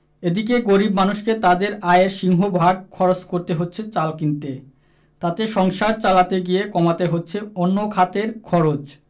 এদিকে গরিব মানুষকে তাঁদের আয়ের সিংহভাগ খরচ করতে হচ্ছে চাল কিনতে তাতে সংসার চালাতে গিয়ে কমাতে হচ্ছে অন্য খাতের খরচ